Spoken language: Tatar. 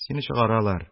- сине чыгаралар,